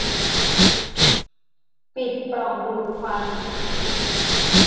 ปิดปล่องดูดควัน